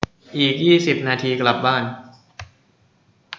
อีกยี่สิบนาทีกลับบ้าน